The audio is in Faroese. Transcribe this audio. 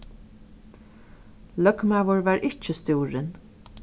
løgmaður var ikki stúrin